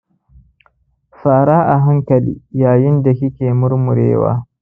fara a hankali yayin da kike murmurewa.